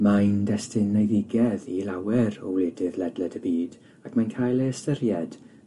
Mae'n destun eiddigedd i lawer o wledydd ledled y byd ac mae'n cael ei ystyried